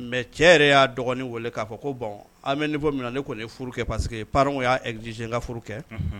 Mɛ cɛ yɛrɛ y'a dɔgɔn weele k'a fɔ ko an bɛfɔ minɛ ne kɔni furu pa queseke y'az ka furu kɛ